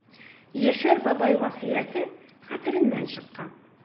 Яшәр бабай васыяте хәтерләреннән чыккан.